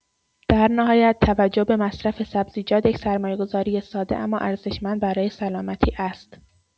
در نهایت، توجه به مصرف سبزیجات یک سرمایه‌گذاری ساده اما ارزشمند برای سلامتی است.